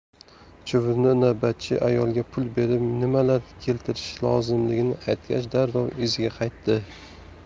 chuvrindi navbatchi ayolga pul berib nimalar keltirish lozimligini aytgach darrov iziga qaytdi